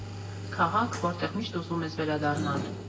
Քաղաք, որտեղ միշտ ուզում ես վերադառնալ։